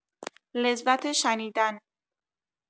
لذت شنیدن